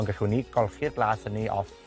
Ond gallwn ni golchi'r blas hynny off